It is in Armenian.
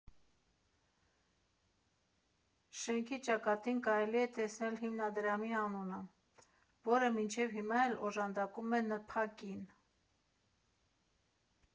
Շենքի ճակատին կարելի է տեսնել հիմնադրամի անունը, որը մինչև հիմա էլ օժանդակում է ՆՓԱԿ֊ին։